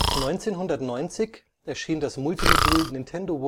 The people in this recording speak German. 1990 erschien das Multimodul Nintendo